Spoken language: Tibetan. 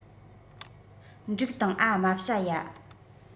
འབྲུག དང ཨ རྨ བྱ ཡ